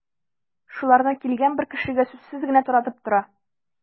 Шуларны килгән бер кешегә сүзсез генә таратып тора.